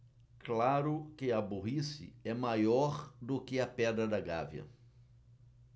claro que a burrice é maior do que a pedra da gávea